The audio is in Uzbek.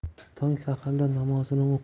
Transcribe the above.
tong saharda namozini